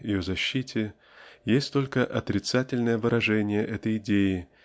ее защите есть только отрицательное выражение этой идеи